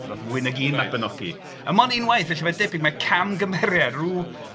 Fwy nag un 'Mabinogi', a mond unwaith, felly mae'n debyg mae camgymeriad rhyw...